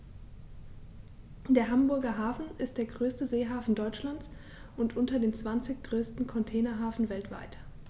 Der Hamburger Hafen ist der größte Seehafen Deutschlands und unter den zwanzig größten Containerhäfen weltweit.